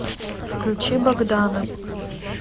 включи богдана